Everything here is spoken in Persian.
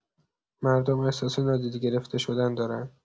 مردم احساس نادیده گرفته شدن دارن.